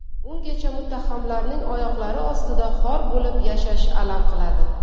ungacha muttahamlarning oyoqlari ostida xor bo'lib yashash alam qiladi